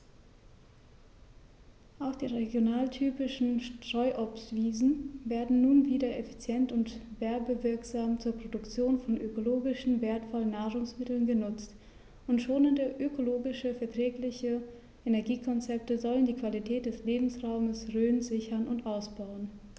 Auch die regionaltypischen Streuobstwiesen werden nun wieder effizient und werbewirksam zur Produktion von ökologisch wertvollen Nahrungsmitteln genutzt, und schonende, ökologisch verträgliche Energiekonzepte sollen die Qualität des Lebensraumes Rhön sichern und ausbauen.